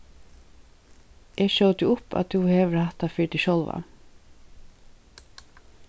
eg skjóti upp at tú hevur hatta fyri teg sjálva